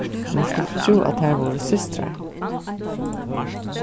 mann skuldi trúð at tær vóru systrar